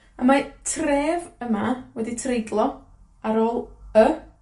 A mae tref yma wedi treiglo ar ôl y.